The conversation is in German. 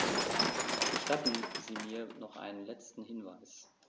Gestatten Sie mir noch einen letzten Hinweis.